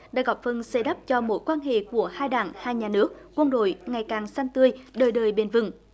đã góp phần xây đắp cho mối quan hệ của hai đảng hai nhà nước quân đội ngày càng xanh tươi đời đời bền vững